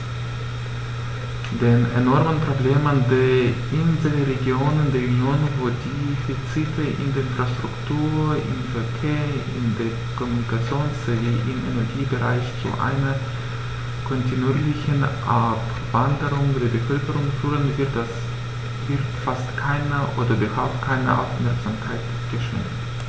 Den enormen Problemen der Inselregionen der Union, wo die Defizite in der Infrastruktur, im Verkehr, in der Kommunikation sowie im Energiebereich zu einer kontinuierlichen Abwanderung der Bevölkerung führen, wird fast keine oder überhaupt keine Aufmerksamkeit geschenkt.